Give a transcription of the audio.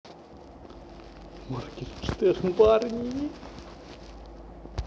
моргенштерн в армии